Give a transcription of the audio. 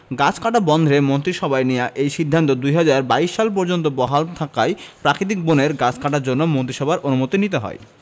গাছ কাটা বন্ধে মন্ত্রিসভায় নেয়া এই সিদ্ধান্ত ২০২২ সাল পর্যন্ত বহাল থাকায় প্রাকৃতিক বনের গাছ কাটার জন্য মন্ত্রিসভার অনুমতি নিতে হয়